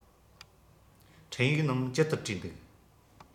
འཕྲིན ཡིག ནང ཅི ལྟར བྲིས འདུག